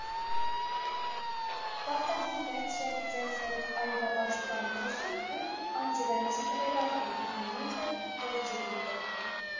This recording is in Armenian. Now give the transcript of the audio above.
Պարտադիր վերցրեք ձեզ հետ արևապաշտպան քսուկ ու անջրանցիկ վերարկու, նույն ինքը «դոժձևիկը»։